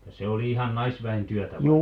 ja se oli ihan naisväen työtä vai